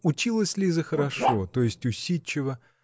Училась Лиза хорошо, то есть усидчиво